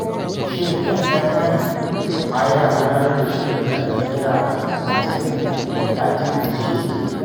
Shin FMM ma yana gudanar da shiri da ake kira '' Article 13 Initiative''?